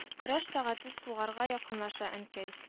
- көрәш сәгате сугарга якынлаша, әнкәй